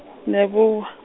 Leboa.